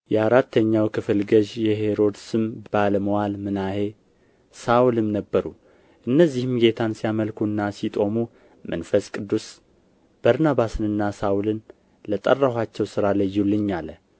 የአራተኛው ክፍል ገዥ የሄሮድስም ባለምዋል ምናሔ ሳውልም ነበሩ እነዚህም ጌታን ሲያመልኩና ሲጦሙ መንፈስ ቅዱስ በርናባስንና ሳውልን ለጠራኋቸው ሥራ ለዩልኝ አለ